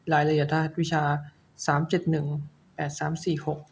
รายละเอียดรหัสวิชาสามเจ็ดหนึ่งแปดสามสี่หก